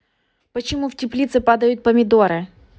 почему в теплице падают помидоры